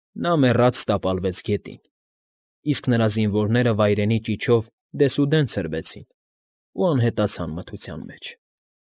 Նա մեռած տապալվեց գետին, իսկ նրա զինվորները վայրենի ճիչով դեսուդեն ցրվեցին ու անհետացան մթության մեջ։